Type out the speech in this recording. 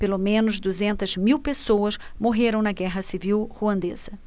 pelo menos duzentas mil pessoas morreram na guerra civil ruandesa